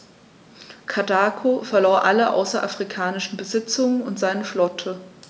Karthago verlor alle außerafrikanischen Besitzungen und seine Flotte.